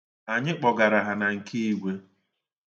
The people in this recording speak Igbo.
Anyị kpọgara ha na nke Igwe.